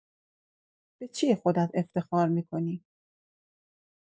به چیه خودت افتخار می‌کنی؟